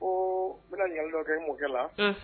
Ko n bɛna ɲli kɛ mɔkɛ la